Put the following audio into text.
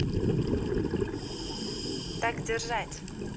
так держать